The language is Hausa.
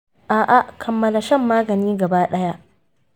a’a, kammala shan magani gaba ɗaya